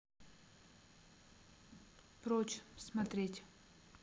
прочь смотреть